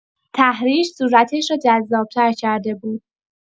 ته‌ریش صورتش رو جذاب‌تر کرده بود.